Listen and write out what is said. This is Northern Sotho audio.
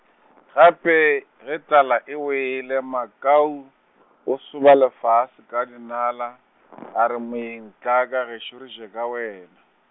gape ge tlala e wele Makau, o soba lefase ka dinala, a re moeng tla ka gešo re je ka wena.